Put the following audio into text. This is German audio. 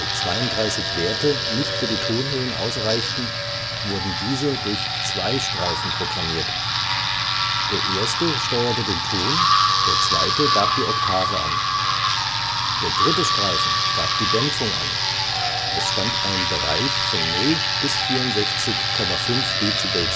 32 Werte nicht für die Tonhöhen ausreichten, wurden diese durch zwei Streifen programmiert: der erste steuerte den Ton, der zweite gab die Oktave an. Der dritte Streifen gab die Dämpfung an, es stand ein Bereich von 0 bis 64,5 Dezibel